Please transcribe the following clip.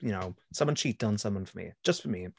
You know? Someone cheat on someone for me. Just for me.